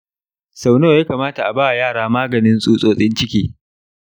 sau nawa ya kamata a ba yara maganin tsutsotsin ciki?